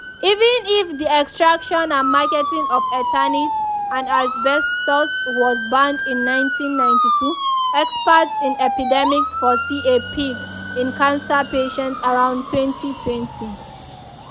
Even if the extraction and marketing of Eternit and asbestos was banned in 1992, experts in epidemics foresee a peak in cancer patients around 2020.